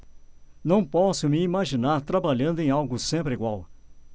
não posso me imaginar trabalhando em algo sempre igual